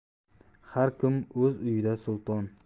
har kim o'z uyida sulton